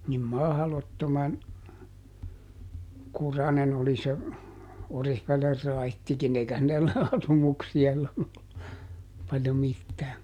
niin mahdottoman kurainen oli se Oriveden raittikin eikä siellä asumuksia silloin ollut paljon mitään